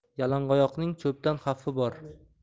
yalangoyoqning cho'pdan xavfi bor